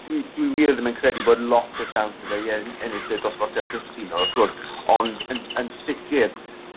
dwi dwi wir ddim yn credu bod lot o chiawns 'dy fe i en- ennill y dosbarthiad cyffredinol wrth gwrs ond yn yn sicir